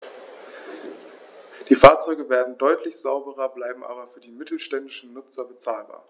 Die Fahrzeuge werden deutlich sauberer, bleiben aber für die mittelständischen Nutzer bezahlbar.